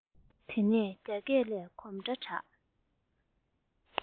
དེ ནས རྒྱ སྐས ལས གོམ སྒྲ གྲགས